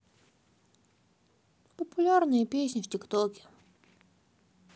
популярные песни в тик токе